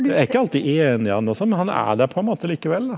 jeg er ikke alltid enig i han og sånn, men han er det på en måte likevel da.